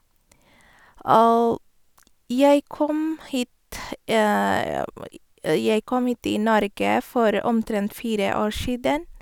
jeg kom hit Jeg kom hit i Norge for omtrent fire år siden.